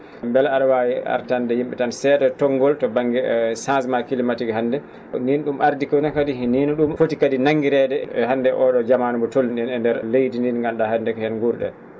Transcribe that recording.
mbele a?a waawi artande yim?e tan see?a e to?ngol to bangge changement climatique hannde e nii no ?um ardi kono kadi nii no ?um foti kadi nanngirede hannde oo ?oo jamaanu mo tolni?en e ndeer leydi ndii ndi nganndu?aa hannde ko heen nguur?en